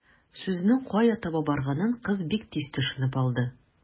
Сүзнең кая таба барганын кыз бик тиз төшенеп алды.